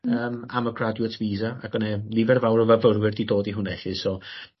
yym am y graduate vis ag o' 'ne nifer fawr o fyfyrwyr 'di dod i hwnna 'elly so